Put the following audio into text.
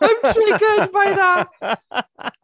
I'm triggered by that